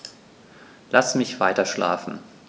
Lass mich weiterschlafen.